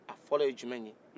a folo ye jumɛn ye